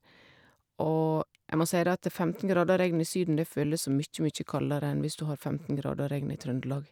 Og jeg må si det at femten grader og regn i Syden det føles som mye, mye kaldere enn hvis du har femten grader og regn i Trøndelag.